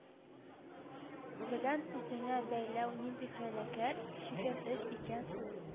Белән үзеңә бәйләү нинди хәйләкәр, читен эш икән ул